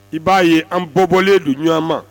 I b'a ye an bɔbɔlen don ɲɔgɔn ma